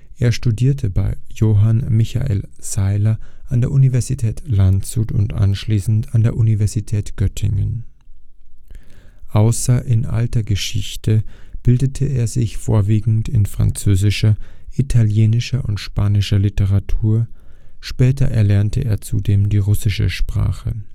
Er studierte bei Johann Michael Sailer an der Universität Landshut und anschließend an der Universität Göttingen. Außer in Alter Geschichte bildete er sich vorwiegend in französischer, italienischer und spanischer Literatur, später erlernte er zudem die russische Sprache